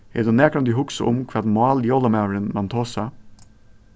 hevur tú nakrantíð hugsað um hvat mál jólamaðurin man tosa